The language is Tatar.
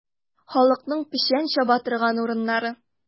Халыкның печән чаба торган урыннары.